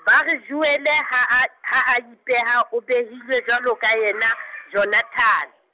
ba re Joele ha a, ha a ipeha o behilwe jwalo ka yena, Jonathane.